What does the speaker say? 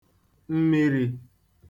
mmirī